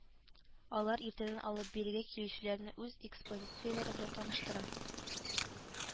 Алар иртәдән алып бирегә килүчеләрне үз экспозицияләре белән таныштыра